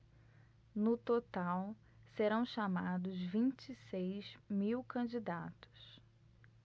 no total serão chamados vinte e seis mil candidatos